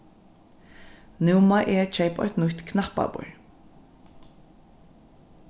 nú má eg keypa eitt nýtt knappaborð